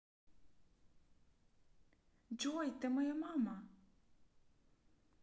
джой ты моя мама